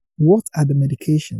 "What are the medications?